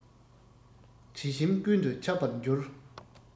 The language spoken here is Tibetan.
དྲི ཞིམ ཀུན ཏུ ཁྱབ པར འགྱུར